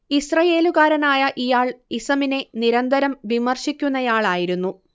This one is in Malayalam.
ഇസ്രയേലുകാരനായ ഇയാൾ ഇസമിനെ നിരന്തരം വിമർശിക്കുന്നയാൾ ആയിരുന്നു